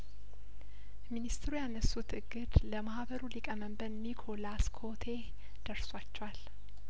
ሚኒስትሩ ያነሱት እግድ ለማህበሩ ሊቀመንበር ኒኮሎ ላስ ኮቴህ ደርሷቸዋል